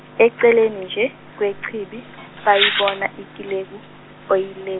eceleni nje, kwechibi, bayibona Ikileku, Oyile.